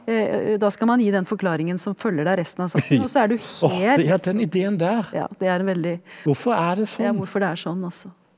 da skal man gi den forklaringen som følger deg resten av saken og så er du helt ja det er en veldig ja hvorfor det er sånn altså.